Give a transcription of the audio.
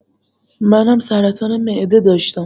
من هم سرطان معده داشتم